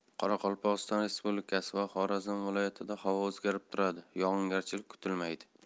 qoraqalpog'iston respublikasi va xorazm viloyatida havo o'zgarib turadi yog'ingarchilik kutilmaydi